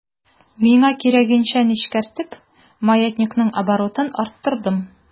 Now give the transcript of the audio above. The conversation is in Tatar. Миңа кирәгенчә нечкәртеп, маятникның оборотын арттырдым.